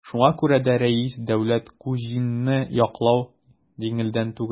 Шуңа күрә дә Рәис Дәүләткуҗинны яклау җиңелдән түгел.